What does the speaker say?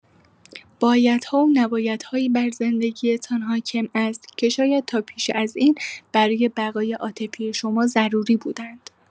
بایدها و نبایدهایی بر زندگی‌تان حاکم است که شاید تا پیش از این برای بقای عاطفی شما ضروری بوده‌اند.